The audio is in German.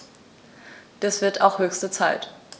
Das wird auch höchste Zeit!